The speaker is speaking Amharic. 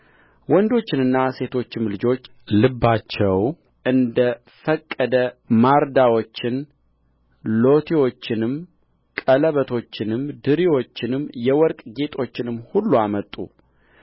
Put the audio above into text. ወንዶችና ሴቶችም ልባቸው እንደ ፈቀደ ማርዳዎችን ሎቲዎችንም ቀለበቶችንም ድሪዎችንም የወርቅ ጌጦችንም ሁሉ አመጡ